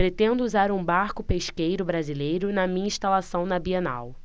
pretendo usar um barco pesqueiro brasileiro na minha instalação na bienal